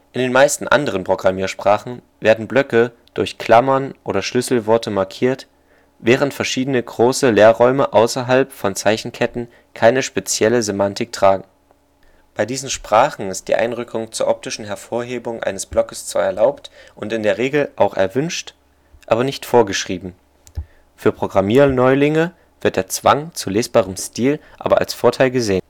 den meisten anderen Programmiersprachen werden Blöcke durch Klammern oder Schlüsselworte markiert, während verschieden große Leerräume außerhalb von Zeichenketten keine spezielle Semantik tragen. Bei diesen Sprachen ist die Einrückung zur optischen Hervorhebung eines Blockes zwar erlaubt und in der Regel auch erwünscht, aber nicht vorgeschrieben. Für Programmierneulinge wird der Zwang zu lesbarem Stil aber als Vorteil gesehen